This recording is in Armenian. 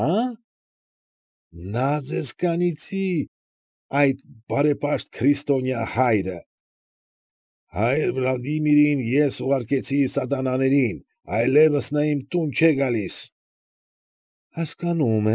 Աա՞, նա ձեզ կանիծի, այդ բարեպաշտ քրիստոնյա հայրը… ֊ Հայր Վլադիմիրին ես ուղարկեցի սատանաներին, այլևս նա իմ տուն չէ գալիս։ ֊ Հասկանում։